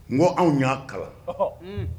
Nko anw y'a kalan, Ɔhɔɔ, unn!